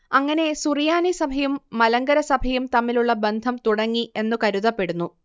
അങ്ങനെ സുറിയാനി സഭയും മലങ്കര സഭയും തമ്മിലുള്ള ബന്ധം തുടങ്ങി എന്ന് കരുതപ്പെടുന്നു